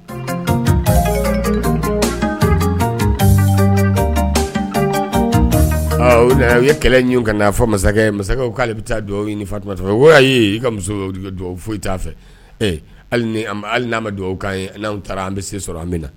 U ye kɛlɛ ka'a fɔ masakɛ k'ale bɛ taa dugawu ɲini ye i ka muso dugawu foyi t fɛ hali n'a dugawu n' taara an bɛ se sɔrɔ an bɛ na